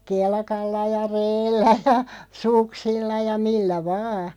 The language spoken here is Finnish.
kelkalla ja reellä ja suksilla ja millä vain